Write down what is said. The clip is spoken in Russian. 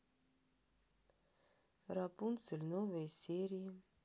рапунцель новые серии